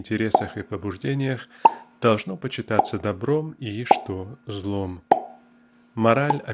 интересах и побуждениях должно почитаться добром и что--злом. Мораль